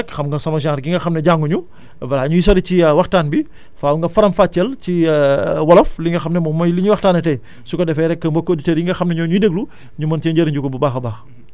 loolu nag xam nga sama genre gi nga xam ne jànguñu balaa ñuy sori ci waxtaan bi faaw nga faram-fàcceel ci wolof li nga xam ne moom mooy li ñuy waxtaane tey su ko defee rek mbokku auditeurs yi nga xam ne ñoo ñuy déglu ñu mën cee njëriñi ku bu baax a baax